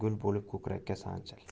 gul bo'lib ko'krakka sanchil